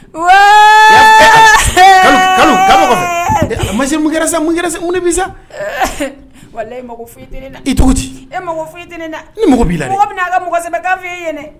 A ma se yɛrɛ bi sa wala e mako fi tɛ i tugu e mako fit da e mako b'i la mɔgɔ bɛna' a ka munugan sɛbɛn k' f fɔ i ye dɛ